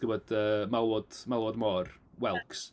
Ti'n gwbod yy malwod malwod môr, whelks.